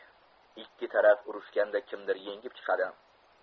ikki taraf urushganda kimdir yengib chiqadi